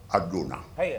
A don na